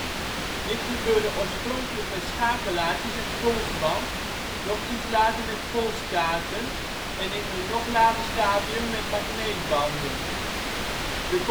gebeurde oorspronkelijk met schakelaartjes en ponsband, nog iets later met ponskaarten, en in een nog later stadium met magneetbanden. IBM PC Met de